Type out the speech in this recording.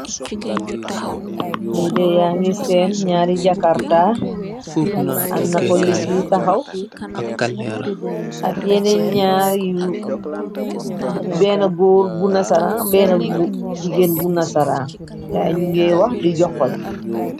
Li deya ngi seen ñaari jakarta annapolis yu taxaw ak yenee ñaar yu benn góor bu na saran benn jigéen bu na saran ngaay ñu ngiy wax di joxoñ.